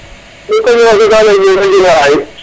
*